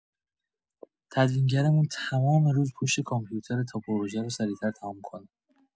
تدوینگرمون تمام روز پشت کامپیوتره تا پروژه رو سریع‌تر تموم کنه.